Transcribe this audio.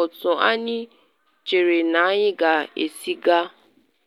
otu anyị chere na anyị ga-esi gaa.